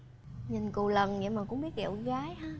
nhìn cù lần vậy mà cũng biết ghẹo gái ha